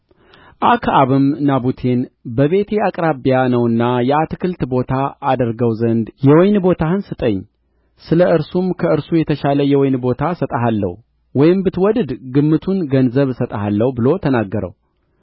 አክዓብም ናቡቴን በቤቴ አቅራቢያ ነውና የአትክልት ቦታ አደርገው ዘንድ የወይን ቦታህን ስጠኝ ስለ እርሱም ከእርሱ የተሻለ የወይን ቦታ እሰጥሃለሁ ወይም ብትወድድ ግምቱን ገንዘብ እሰጥሃለሁ ብሎ ተናገረው